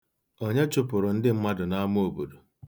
Onye chụpụrụ ndị mmadụ n'ama obodo?